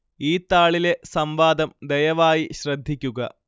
ഈ താളിലെ സംവാദം ദയവായി ശ്രദ്ധിക്കുക